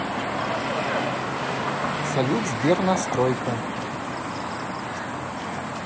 салют сбер настройка